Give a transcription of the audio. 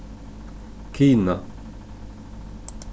kina